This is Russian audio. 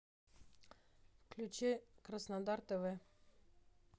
включи краснодар тв